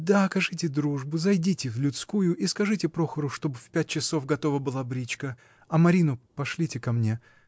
Да окажите дружбу, зайдите в людскую и скажите Прохору, чтоб в пять часов готова была бричка, а Марину пошлите ко мне.